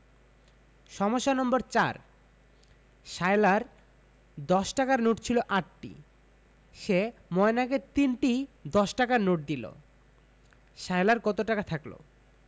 সমস্যা নম্বর ৪ সায়লার দশ টাকার নোট ছিল ৮টি সে ময়নাকে ৩টি দশ টাকার নোট দিল সায়লার কত টাকা থাকল